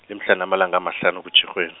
limhlana amalanga amahlanu kuTjhirhweni.